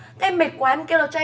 em mệt quá em kêu là cho